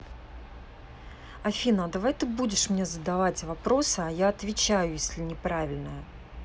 афина а давай ты будешь мне задавать вопросы а я отвечаю если неправильная